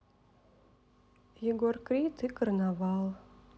егор крид и карнавал